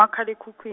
umakhalekhukhwin-.